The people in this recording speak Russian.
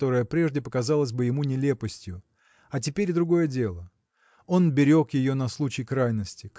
которая прежде показалась бы ему нелепостью а теперь – другое дело! Он берег ее на случай крайности